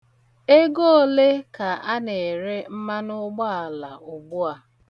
Ego ole ka ana-ere mmanụụgbaala ugbu a ?